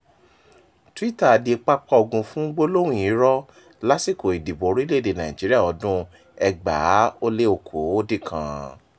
Twitter di pápá ogun fún gbólóhùn irọ́ lásìkò ìdìbò orílẹ̀-èdèe Nàìjíríà ọdún-un 2019